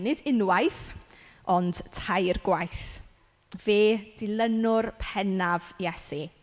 Nid unwaith ond tair gwaith. Fe, dilynwr pennaf Iesu.